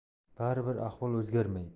bari bir ahvol o'zgarmaydi